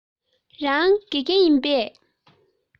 རང དགེ རྒན ཡིན པས